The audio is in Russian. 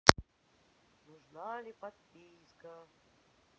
нужна ли подписка